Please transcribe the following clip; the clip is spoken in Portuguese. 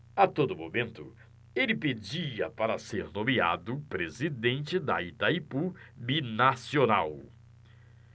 a todo momento ele pedia para ser nomeado presidente de itaipu binacional